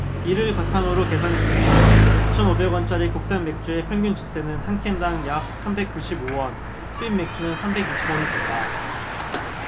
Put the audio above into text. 이를 바탕으로 계산했을 때 이천 오백 원짜리 국산맥주의 평균 주세는 한 캔 당 약 삼백 구십 오 원 수입맥주는 삼백 이십 원이된다